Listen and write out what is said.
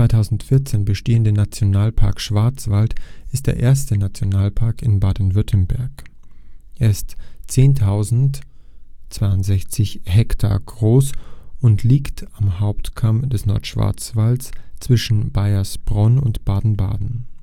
2014 bestehende Nationalpark Schwarzwald ist der erste Nationalpark in Baden-Württemberg. Er ist 10.062 Hektar groß und liegt am Hauptkamm des Nordschwarzwalds zwischen Baiersbronn und Baden-Baden